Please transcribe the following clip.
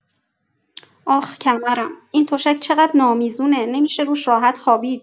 آخ کمرم، این تشک چقدر نامیزونه، نمی‌شه روش راحت خوابید.